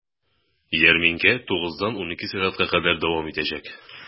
Ярминкә 9 дан 12 сәгатькә кадәр дәвам итәчәк.